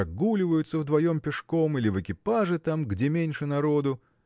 прогуливаются вдвоем пешком или в экипаже там где меньше народу.